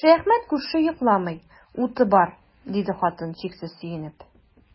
Шәяхмәт күрше йокламый, уты бар, диде хатын, чиксез сөенеп.